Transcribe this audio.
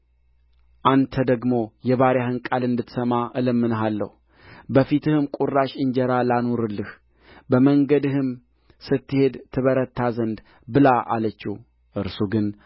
አንተ ደግሞ የባሪያህን ቃል እንድትሰማ እለምንሃለሁ በፊትህም ቍራሽ እንጀራ ላኑርልህ በመንገድም ስትሄድ ትበረታ ዘንድ ብላ አለችው እርሱ ግን